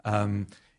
Yym.